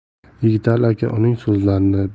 yigitali aka uning